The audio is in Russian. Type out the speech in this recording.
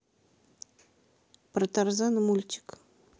про тарзана мультик